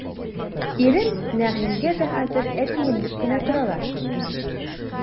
Ирем Нәгыймгә дә хәзер әтием дип кенә торалар.